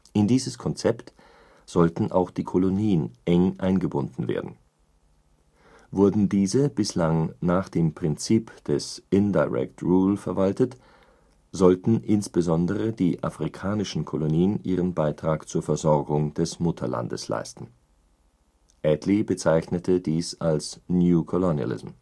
In dieses Konzept sollten auch die Kolonien eng eingebunden werden. Wurden diese bislang nach dem Prinzip des indirect rule verwaltet, sollten insbesondere die afrikanischen Kolonien ihren Beitrag zur Versorgung des Mutterlandes leisten. Attlee bezeichnete dies als New Colonialism